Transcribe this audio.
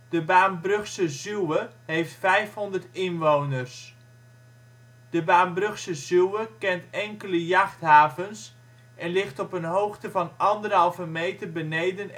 De Baambrugse Zuwe heeft 500 inwoners (2004). De Baambrugse Zuwe kent enkele jachthavens en ligt op een hoogte van anderhalve meter beneden